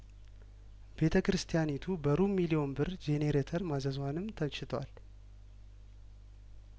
ቤተ ክርስቲያኒቱ በሩብ ሚሊዮን ብር ጀኔሬተር ማዘ ንዟንም ተችቷል